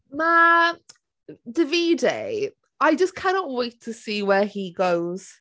Ma' Davide... I just cannot wait to see where he goes.